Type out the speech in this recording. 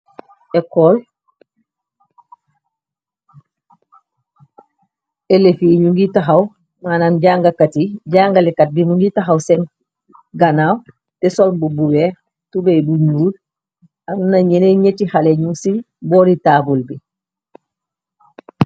Ecol elef yi ñu ngi taxaw manam jangakat yi jangalekat bi mu ngi taxaw sen ganaaw te sol bu bubee tubey bu nuur ak na ñene ñetti xale ñu ci boori taabul bi.